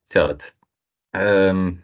Tibod yym...